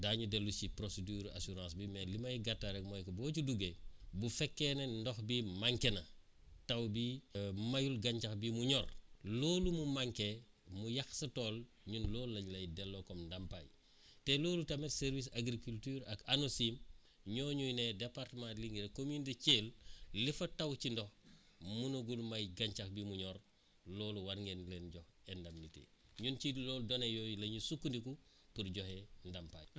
daañu dellu si procédure assurance bi mais limay gàttal rek mooy que boo ci duggee bu fekkee ne ndox bi manqué na taw bi mayul gàncax bi mu ñor loolu mu manqué mu yàq sa tool énun loolu la ñuy lay deloo comme ndàmpaay te loolu tamit sercice agriculture ak ANACIM ñoo ñuy ne département Linguère commune Thièl li fa taw ci ndox mënagul may gàncax bi mu ñor loolu war ngeen leen jox indemnité ñun ci loolu données yooyu la ñuy sukkandiku pour joxe ndàmpaay